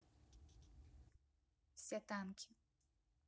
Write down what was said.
все танки